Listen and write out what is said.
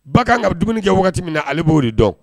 Ba kan ka dumuni kɛ wagati min na ale b'o de dɔn